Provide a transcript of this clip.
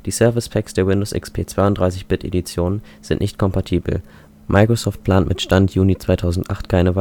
Service Packs der Windows XP 32-bit Editionen sind nicht kompatibel. Microsoft plant mit Stand Juni 2008 keine